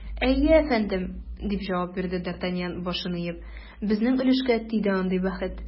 Әйе, әфәндем, - дип җавап бирде д’Артаньян, башын иеп, - безнең өлешкә тиде андый бәхет.